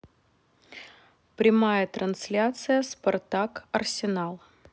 прямая трансляция спартак арсенал